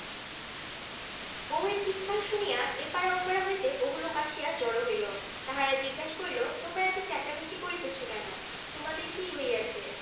বউ এর চিৎকার শুনিয়া এ পাড়া ও পাড়া হইতে বহুলোক আসিয়া জড় হইল তাহারা জিজ্ঞাসা করিল তোমরা এত চেঁচামেচি করিতেছ কেন তোমাদের কি হইয়াছে